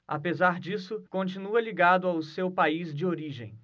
apesar disso continua ligado ao seu país de origem